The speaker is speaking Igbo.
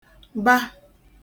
-ba